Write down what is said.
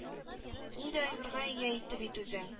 Нинди айгырга ия итте бит үзен